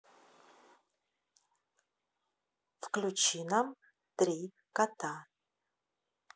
включи нам три кота